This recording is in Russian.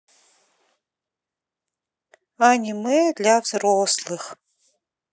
аниме для взрослых